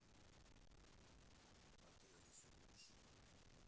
а ты алису любишь